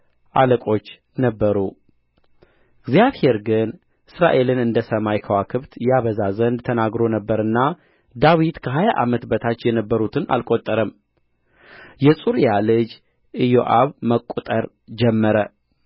አለቆች ነበሩ እግዚአብሔር ግን እስራኤልን እንደ ሰማይ ከዋክብት ያበዛ ዘንድ ተናግሮ ነበርና ዳዊት ከሀያ ዓመት በታች የነበሩትን አልቈጠረም የጽሩያ ልጅ ኢዮአብ መቍጠር ጀመረ